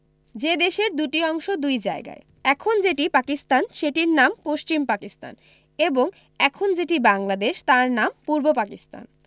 যে দেশের দুটি অংশ দুই জায়গায় এখন যেটি পাকিস্তান সেটির নাম পশ্চিম পাকিস্তান এবং এখন যেটি বাংলাদেশ তার নাম পূর্ব পাকিস্তান